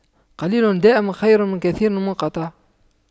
قليل دائم خير من كثير منقطع